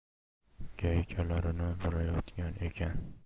gaykalarini burayotgan ekan